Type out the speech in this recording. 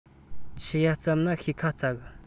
ཆི ཡ བསྩབས ན ཤེས ཁ སྩ གི